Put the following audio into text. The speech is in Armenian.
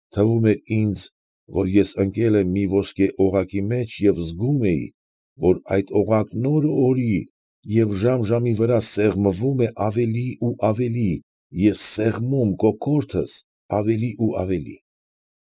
Թվում էր ինձ, որ ես ընկելեմ մի ոսկե օղակի մեջ և զգում էի, որ այդ օղակն օր֊օրի և ժամ֊ժամի վրա սեղմում է ավելի ու ավելի և սեղմում կոկորդս ավելի ու ավելի։